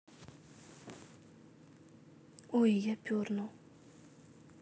ой я пернул